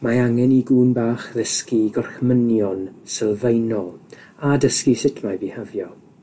Mae angen i gŵn bach ddysgu gorchmynion sylfaenol a dysgu sut mae bihafio.